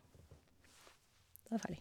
Da er jeg ferdig.